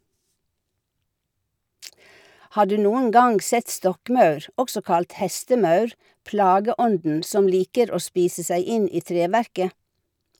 Har du noen gang sett stokkmaur, også kalt hestemaur, plageånden som liker å spise seg inn i treverket?